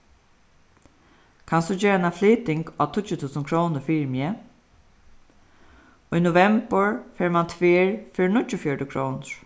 kanst tú gera eina flyting á tíggju túsund krónur fyri meg í novembur fær mann tvær fyri níggjuogfjøruti krónur